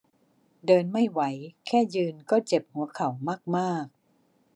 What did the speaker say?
เดินไม่ไหวแค่ยืนก็เจ็บหัวเข่ามากมาก